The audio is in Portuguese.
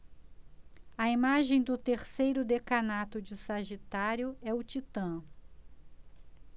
a imagem do terceiro decanato de sagitário é o titã